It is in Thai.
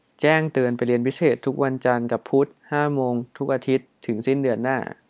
แจ้งเตือนไปเรียนพิเศษทุกวันจันทร์กับพุธห้าโมงทุกอาทิตย์ถึงสิ้นเดือนหน้า